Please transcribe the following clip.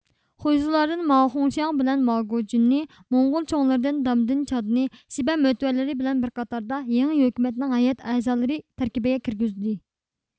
خۇيزۇلاردىن ماخۇڭشياڭ بىلەن ماگوجۈننى موڭغۇل چوڭلىرىدىن دامدىن چادنى شىبە مۆتىۋەرلىرى بىلەن بىر قاتاردا يېڭى ھۆكۈمەتنىڭ ھەيئەت ئەزالىرى تەركىبىگە كىرگۈزدى